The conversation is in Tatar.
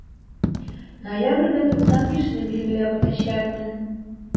Ноябрьдә 95 не билгеләп үтәчәкмен.